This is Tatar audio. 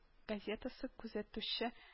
Газетасы күзәтүче